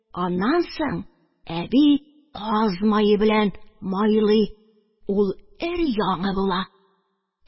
Аннан соң әби каз май белән майлой, ул өр-яңы була.